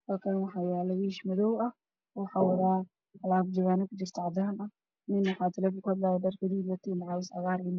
Halkan waxyalo wiish oo madow ah waxow wada jawano cadan ah nin aya talefon kuhadlayo dharkis waa gadud io cagar